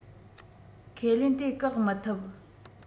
ཁས ལེན དེ བཀག མི ཐུབ